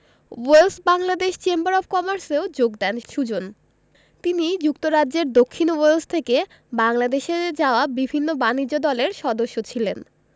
Wales Bangladesh chamber of কমার্সেও যোগ দেন সুজন তিনি যুক্তরাজ্যের দক্ষিণ ওয়েলস থেকে বাংলাদেশে যাওয়া বিভিন্ন বাণিজ্য দলের সদস্য ছিলেন